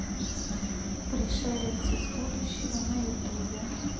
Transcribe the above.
пришелец из будущего на ютубе